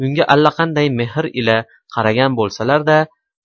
unga allaqanday mehr ila qaragan bo'lsalar da